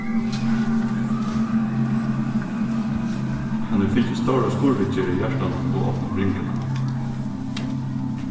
hann hevur fingið stóra skurðviðgerð í hjartanum og opnað bringuna